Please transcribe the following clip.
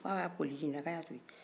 ko a ka koliji ko a y' a to yen